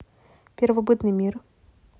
первобытный мир